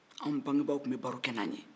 anw bangebaaw tun bɛ baro kɛ n'an ye